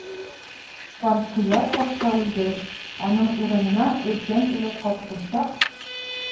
Канкояр патша үлгәч, аның урынына өлкән улы Капкорсак